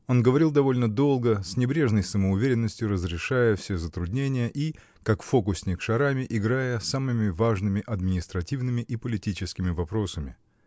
Он говорил довольно долго, с небрежной самоуверенностью разрешая все затруднения и, как фокусник шарами, играя самыми важными административными и политическими вопросами.